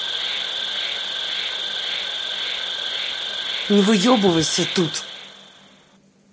не выебывайся тут